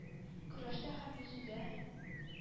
Көрәштә һәм йөзүдә